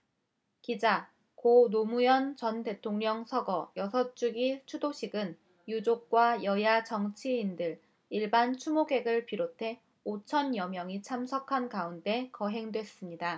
기자 고 노무현 전 대통령 서거 여섯 주기 추도식은 유족과 여야 정치인들 일반 추모객을 비롯해 오 천여 명이 참석한 가운데 거행됐습니다